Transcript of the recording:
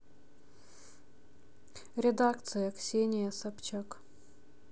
редакция ксения собчак